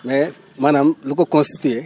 mais maanaam lu ko constitué